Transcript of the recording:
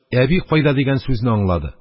«әби кайда?» дигән сүзне аңлады